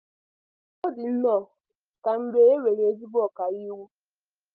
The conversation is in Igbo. Ọ dị nnọ, ka mgbe e nwere ezigbo ọkaiwu.